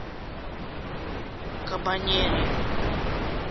кабанери